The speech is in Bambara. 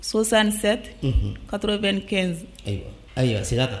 67 . Unhun. 95 . Ayiwa, segin a kan.